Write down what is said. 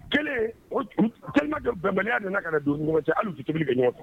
Kelen kun, tellement que bɛnbaliya nana ka na don u ni ɲɔgɔn cɛ hali u tɛ tobilen kɛ ɲɔgɔn fɛ.